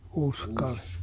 Uskali